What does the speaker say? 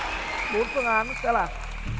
bốn phương án sẽ là